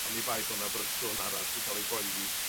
Oni bai bo' 'na fersiwn arall yn ga'l 'i gyoeddi